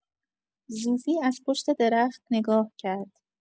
زوفی از پشت درخت نگاه کرد.